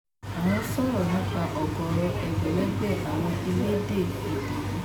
À ń sọ̀rọ̀ nípa ọ̀gọ̀rọ̀ ẹgbẹ̀lẹ́gbẹ̀ àwọn elédè èdè yìí.